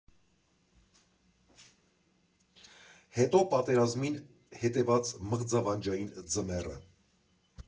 Հետո պատերազմին հետևած մղձավանջային ձմեռը։